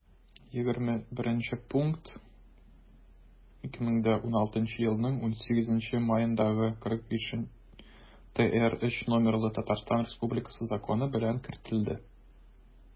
21 пункт 2016 елның 18 маендагы 45-трз номерлы татарстан республикасы законы белән кертелде